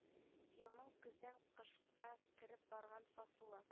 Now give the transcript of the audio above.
Елның көздән кышка кереп барган фасылы